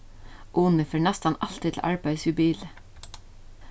uni fer næstan altíð til arbeiðis við bili